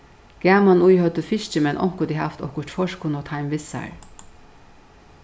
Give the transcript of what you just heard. gaman í høvdu fiskimenn onkuntíð havt okkurt forkunnugt heim við sær